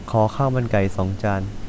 ขอข้าวมันไก่สองจาน